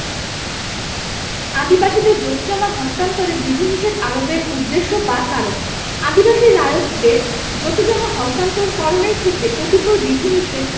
আদিবাসীদের জোতজমা হস্তান্তরে বিধিনিষেধ আরোপের উদ্দেশ্য বা কারণ আদিবাসী রায়তদের জোতজমা হস্তান্তর করণের ক্ষেত্রে কতিপয় বিধিনিষেধ